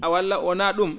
a walla wonaa ?um